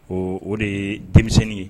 Ɔ o de ye denmisɛnnin ye